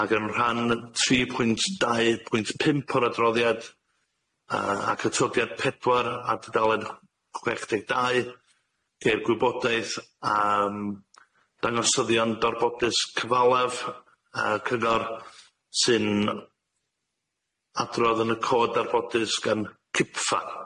Ag yn rhan tri pwynt dau pwynt pump o'r adroddiad a ac atodiad pedwar a dudalen chwech deg dau, geir gwybodaeth am dangosyddion darbodus cyfalaf yy cyngor sy'n adrodd yn y cod darbodus gan Cipfa.